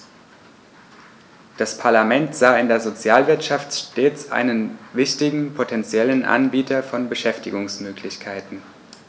Das Parlament sah in der Sozialwirtschaft stets einen wichtigen potentiellen Anbieter von Beschäftigungsmöglichkeiten.